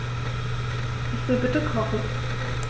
Ich will bitte kochen.